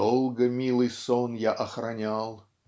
Долго милый сон я охранял.